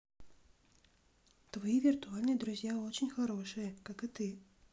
твои виртуальные друзья очень хорошие как и ты